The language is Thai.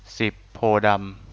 สิบโพธิ์ดำ